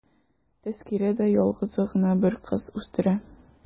Тәзкирә дә ялгызы гына бер кыз үстерә.